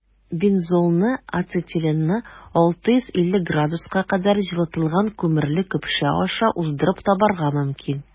Бензолны ацетиленны 650 С кадәр җылытылган күмерле көпшә аша уздырып табарга мөмкин.